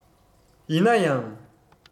ཡིན ན ཡང